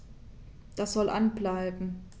Das soll an bleiben.